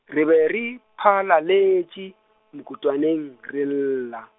re be re, phalaletše, mokutwaneng re lla.